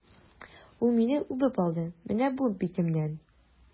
Ул мине үбеп алды, менә бу битемнән!